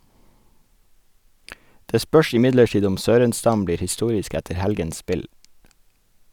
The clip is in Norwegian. Det spørs imidlertid om Sörenstam blir historisk etter helgens spill.